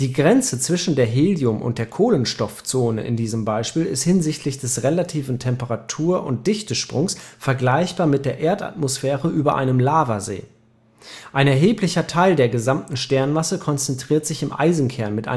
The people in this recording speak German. Grenze zwischen der Helium - und der Kohlenstoffzone ist hinsichtlich des relativen Temperatur - und Dichtesprungs vergleichbar mit der Erdatmosphäre über einem Lavasee. Ein erheblicher Teil der gesamten Sternmasse konzentriert sich im Eisenkern